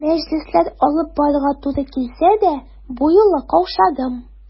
Мәҗлесләр алып барырга туры килсә дә, бу юлы каушадым.